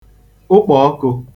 ụkpọ̀ọkụ̄